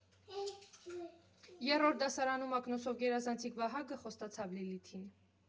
Երրորդ դասարանում ակնոցավոր գերազանցիկ Վահագը խոստացավ Լիլիթին.